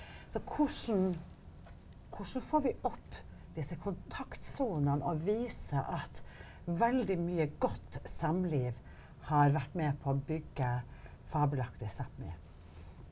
så hvordan hvordan får vi opp disse kontaktsonene og viser at veldig mye godt samliv har vært med på å bygge fabelaktige Sapmi?